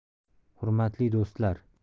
hurmatli do'stlar